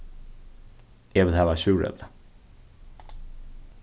eg vil hava eitt súrepli